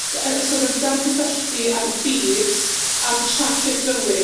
Dy- yy so't of dadgysylltu â'r byd, a'r traffig bywyd....